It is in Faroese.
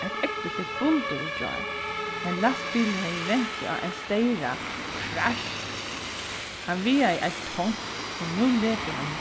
eitt ógvusligt buldur í gjár ein lastbilur hevði rent seg á ein steyra krassj hann vigaði eitt tons so nú lekur hann